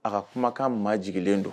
A ka kumakan ma jiginlen don